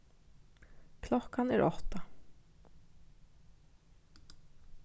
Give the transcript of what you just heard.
klokkan er átta